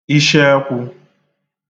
ishiẹkwụ